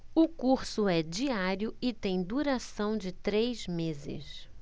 o curso é diário e tem duração de três meses